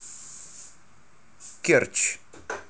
керчь